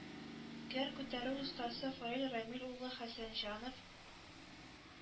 Гер күтәрү остасы фаил рамил улы хәсәнҗанов